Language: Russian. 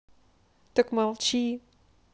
так молчи